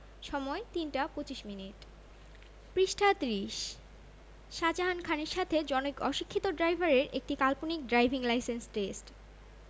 সময়ঃ ৩টা ২৫ মিনিট শাজাহান খানের সাথে জনৈক অশিক্ষিত ড্রাইভারের একটি কাল্পনিক ড্রাইভিং লাইসেন্স টেস্ট